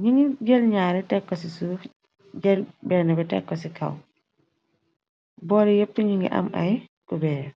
njungy jel njaari tek kor cii suff, jel benah bii tek kor cii kaw, borl yii yehp njungy am aiiy couberam.